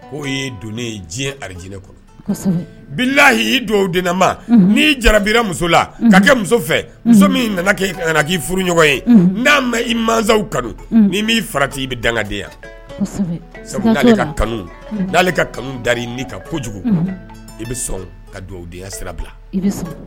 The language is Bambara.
O ye don diɲɛd kɔnɔ bihi i dugawu ma n' jarara muso ka kɛ muso fɛ muso min nana k'i furu ɲɔgɔn ye n'a mɛn i masaw kanu ni'i fara tɛ i bɛ dangaden yan sabuale ka kanu n'ale ka kanu da ka kojugu i bɛ sɔn ka dugawudenya sira bila